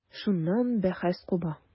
Шуннан бәхәс куба.